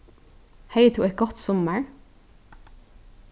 hevði tú eitt gott summar